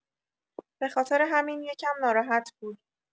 به‌خاطر همین یکم ناراحت بود.